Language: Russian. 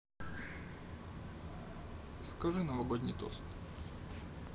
скажи новогодний тост